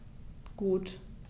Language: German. Gut.